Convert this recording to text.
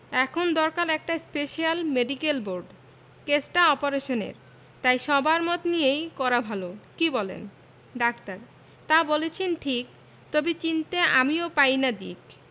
এখন দরকার একটা স্পেশাল মেডিকেল বোর্ড কেসটা অপারেশনের তাই সবার মত নিয়েই করা ভালো কি বলেন ডাক্তার তা বলেছেন ঠিক ভেবে চিন্তে আমিও পাই না দিক